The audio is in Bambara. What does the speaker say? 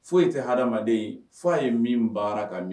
Foyi ye tɛ hadamaden f fɔ ye min baara kami